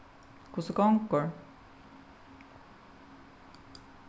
hvussu gongur